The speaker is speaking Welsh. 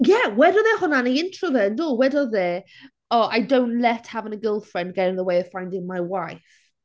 Ie wedodd e hwnna yn ei intro fe yn do? Wedodd e "Oh I don't let having a girlfriend get in the way of finding my wife."